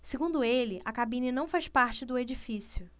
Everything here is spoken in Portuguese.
segundo ele a cabine não faz parte do edifício